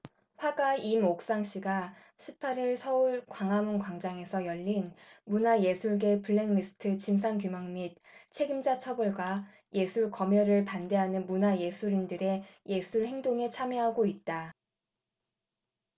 화가 임옥상씨가 십 팔 일 서울 광화문광장에서 열린 문화예술계 블랙리스트 진상규명 및 책임자 처벌과 예술검열을 반대하는 문화예술인들의 예술행동에 참여하고 있다